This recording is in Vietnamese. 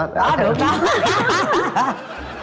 đó được đó